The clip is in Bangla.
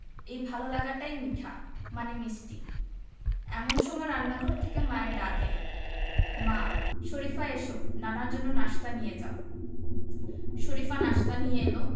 এই ভালো লাগাটাই মিঠা মানে মিষ্টি এমন সময় রান্নাঘর থেকে মায়ের ডাক এলো মা শরিফা এসো নানার জন্য নাশতা নিয়ে যাও শরিফা নাশতা নিয়ে এলো